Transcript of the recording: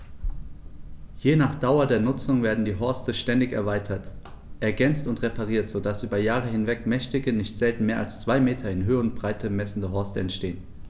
Je nach Dauer der Nutzung werden die Horste ständig erweitert, ergänzt und repariert, so dass über Jahre hinweg mächtige, nicht selten mehr als zwei Meter in Höhe und Breite messende Horste entstehen.